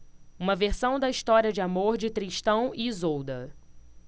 uma versão da história de amor de tristão e isolda